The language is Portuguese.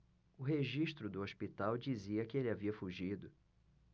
o registro do hospital dizia que ele havia fugido